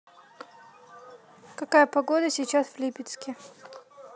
какая погода сейчас в липецке